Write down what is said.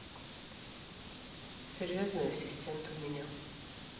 серьезная ассистент у меня